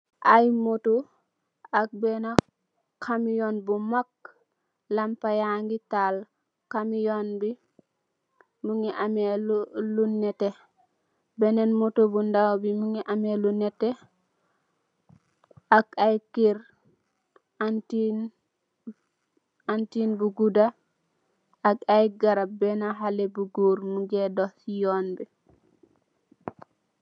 Aye motor, ak bena kamiyon bu mak, lampa yangi taal, kamiyon bi mungi ame lu nete, beneen motor bu ndaw bi mungi ame lu nete, ak aye keur, antiin bu guda ak aye garap, bena halle bu goor mungee doh si yoon bi.